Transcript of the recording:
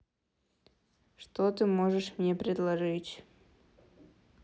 что ты можешь мне предложить